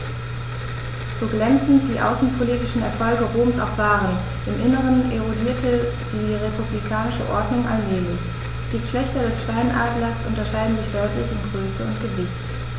So glänzend die außenpolitischen Erfolge Roms auch waren: Im Inneren erodierte die republikanische Ordnung allmählich. Die Geschlechter des Steinadlers unterscheiden sich deutlich in Größe und Gewicht.